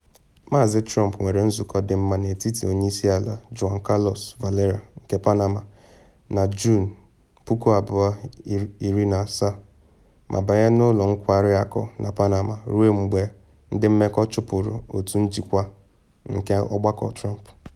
Maazị Trump nwere nzụkọ dị mma n’etiti Onye Isi Ala Juan Carlos Varela nke Panama na Juun 2017 ma banye n’ụlọ nkwari akụ na Panama ruo mgbe ndị mmekọ chụpụrụ otu njikwa nke Ọgbakọ Trump.